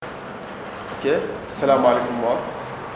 ok salaamaaleykum Mor